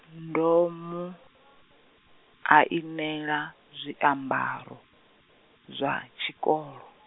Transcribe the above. ndo mu, ainela, zwiambaro, zwa tshikolo.